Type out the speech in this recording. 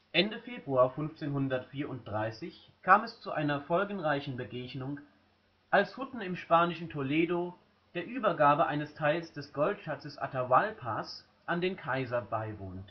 Ende Februar 1534 kam es zu einer folgenreichen Begegnung, als Hutten im spanischen Toledo der Übergabe eines Teils des Goldschatzes Atahualpas an den Kaiser beiwohnte